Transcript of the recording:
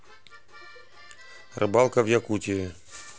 рыбалка в якутии